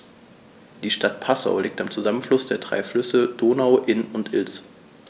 Die Stadt Passau liegt am Zusammenfluss der drei Flüsse Donau, Inn und Ilz.